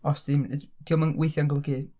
os 'dy diom yn weithiau'n golygu....